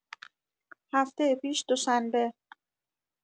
هفته پیش دوشنبه